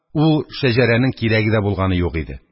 Ул шәҗәрәнең кирәге дә булганы юк иде.